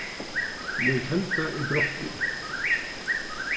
mín telda er brotnað